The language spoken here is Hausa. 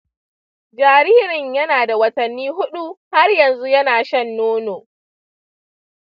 jaririn yana da watanni huɗu, har yanzu yana shan nono.